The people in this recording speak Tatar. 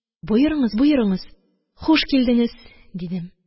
Боерыңыз, боерыңыз, хуш килдеңез, – дидем